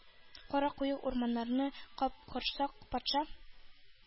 Кара куе урманнарны капкорсак патша